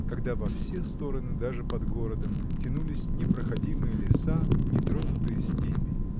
когда во все стороны, даже под городом, тянулись непроходимые леса, нетронутые степи.